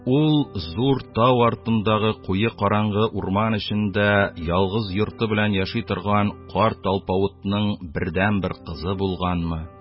Ул зур тау артындагы куе караңгы урман эчендә ялгыз йорты белән яши торган алпавытның бердәнбер кызы булганмы